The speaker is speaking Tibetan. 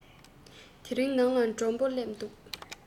དེ རིང ནང ལ མགྲོན པོ སླེབས འདུག